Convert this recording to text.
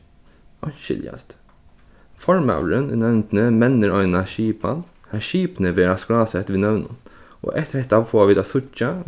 einskiljast formaðurin í nevndini mennir eina skipan har skipini verða skrásett við nøvnum og eftir hetta fáa vit at síggja